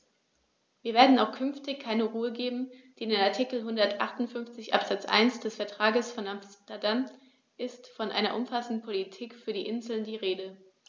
Wir werden auch künftig keine Ruhe geben, denn in Artikel 158 Absatz 1 des Vertrages von Amsterdam ist von einer umfassenden Politik für die Inseln die Rede.